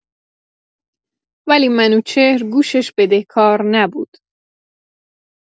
ولی منوچهر گوشش بدهکار نبود.